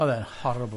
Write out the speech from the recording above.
Oedd e'n horrible.